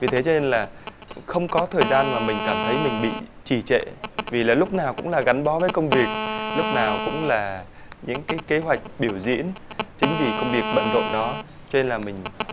vì thế cho nên là không có thời gian mà mình cảm thấy mình bị trì trệ vì là lúc nào cũng là gắn bó với công việc lúc nào cũng là những cái kế hoạch biểu diễn chính vì công việc bận rộn đó cho nên là mình